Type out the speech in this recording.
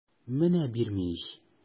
Менә бирми ич!